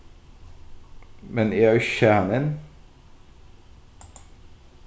men eg havi ikki sæð hann enn